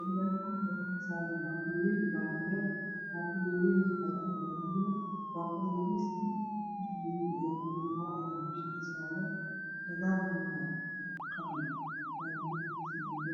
alwax ah waxasaran baquli ween io baquli yare baquliga wen wax cadaan ah aa kujiro baquliga yaris wax gaduud yaa kujiro maro aya dushana kasaran gadalnah waa qalin bagaronkis dabe